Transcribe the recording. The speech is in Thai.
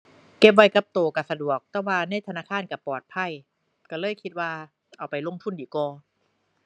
เก็บไว้กับตัวตัวสะดวก แต่ว่าในธนาคารตัวปลอดภัย ตัวเลยคิดว่าเอาไปลงทุนดีกว่า